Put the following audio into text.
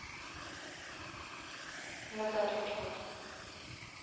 назад вот вот